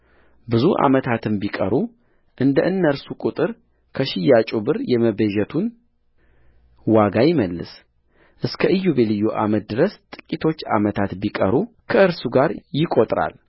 ብዙ ዓመታትም ቢቀሩ እንደ እነርሱ ቍጥር ከሽያጩ ብር የመቤዠቱን ዋጋ ይመልስእስከ ኢዮቤልዩ ዓመት ድረስ ጥቂቶች ዓመታት ቢቀሩ ከእርሱ ጋር ይቈጥራል